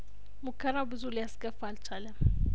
ሙከራው ብዙ ሊያስገፋ አልቻለም